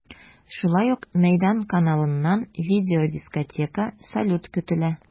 Шулай ук “Мәйдан” каналыннан видеодискотека, салют көтелә.